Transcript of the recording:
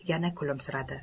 yana kulimsiradi